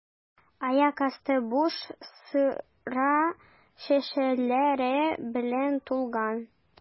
Аяк асты буш сыра шешәләре белән тулган.